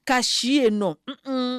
Ka si yen nɔ